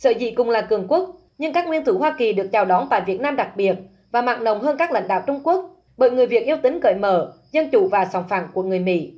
sở dĩ cũng là cường quốc nhưng các nguyên thủ hoa kỳ được chào đón tại việt nam đặc biệt và mặn nồng hơn các lãnh đạo trung quốc bởi người việt yêu tính cởi mở dân chủ và sòng phẳng của người mỹ